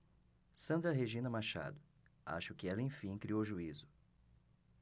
sandra regina machado acho que ela enfim criou juízo